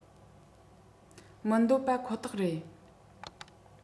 མི འདོད པ ཁོ ཐག རེད